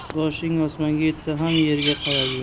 boshing osmonga yetsa ham yerga qarab yur